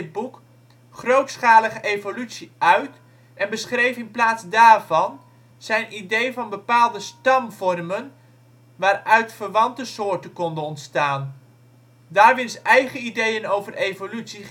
boek grootschalige evolutie uit en beschreef in plaats daarvan zijn idee van bepaalde stamvormen waaruit verwante soorten konden ontstaan. Darwins eigen ideeën over evolutie